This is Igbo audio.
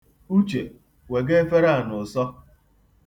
Uche, wega efere a n'ụsọ.